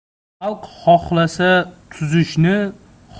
xalq xohlasa tuzishni